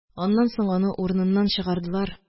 Аннан соң аны урыныннан чыгардылар..